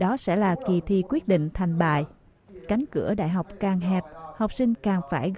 đó sẽ là kỳ thi quyết định thành bại cánh cửa đại học càng hẹp học sinh càng phải